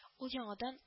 Ул, яңадан